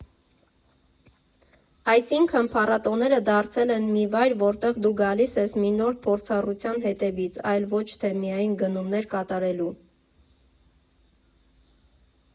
֊ Այսինքն՝ փառատոները դարձել են մի վայր, որտեղ դու գալիս ես մի նոր փորձառության հետևից, այլ ոչ թե միայն գնումներ կատարելու»։